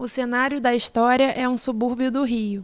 o cenário da história é um subúrbio do rio